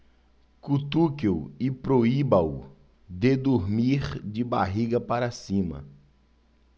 cutuque-o e proíba-o de dormir de barriga para cima